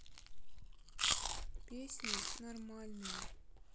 песни нормальные